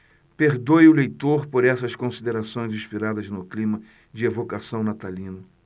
perdoe o leitor por essas considerações inspiradas no clima de evocação natalino